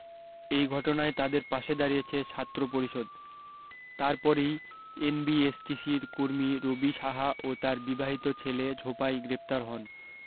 এই ঘটনায় তাদের পাশে দাঁড়িয়েছে ছাত্র পরিষদ তার পরেই এনবিএসটিসির কর্মী রবি সাহা ও তার বিবাহিত ছেলে ঝোপাই গ্রেফতার হন